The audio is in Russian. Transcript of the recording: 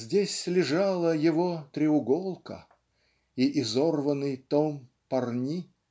Здесь лежала его треуголка И изорванный том Парни.